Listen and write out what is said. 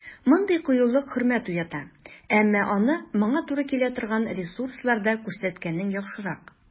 Мондый кыюлык хөрмәт уята, әмма аны моңа туры килә торган ресурсларда күрсәткәнең яхшырак.